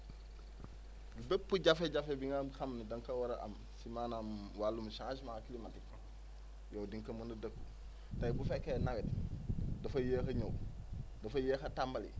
bépp jafe-jafe bi nga xam ne da nga ko war a am si maanaam wàllum chnagement climatique yow di nga ko mën a dëkku tey bu fekkee nawet dafa yéex a ñëw dafa yéex a tàmbali